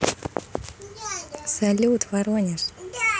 салют воронеж